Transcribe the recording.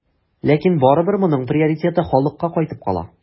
Ләкин барыбер моның приоритеты халыкка кайтып кала.